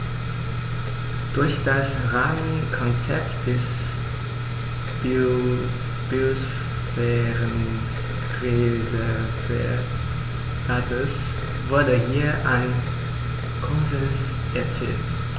Durch das Rahmenkonzept des Biosphärenreservates wurde hier ein Konsens erzielt.